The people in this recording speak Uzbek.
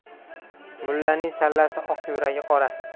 mullaning sallasi oq yuragi qora